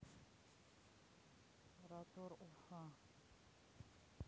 ротор уфа